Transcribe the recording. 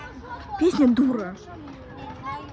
песня дура